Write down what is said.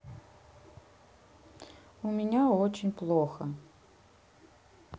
у меня очень плохо